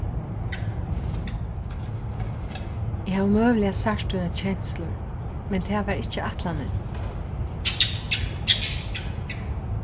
eg havi møguliga sært tínar kenslur men tað var ikki ætlanin